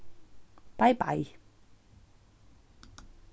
bei bei